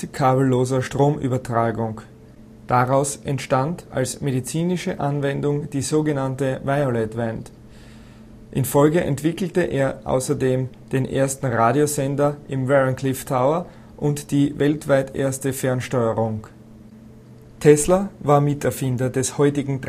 kabelloser Stromübertragung. Daraus entstand als medizinische Anwendung die sogenannte Violet Wand. In Folge entwickelte er außerdem den ersten Radiosender im Wardenclyffe Tower und die weltweit erste Fernsteuerung. Tesla war Miterfinder des heutigen